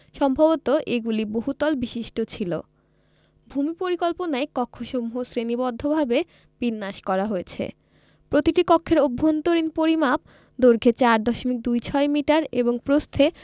সম্ভবত এগুলি বহুতল বিশিষ্ট ছিল ভূমি পরিকল্পনায় কক্ষসমূহ শ্রেণীবদ্ধভাবে বিন্যাস করা হয়েছে প্রতিটি কক্ষের অভ্যন্তরীণ পরিমাপ দৈর্ঘ্যে ৪ দশমিক দুই ছয় মিটার এবং প্রস্থে